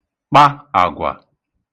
kpa àgwà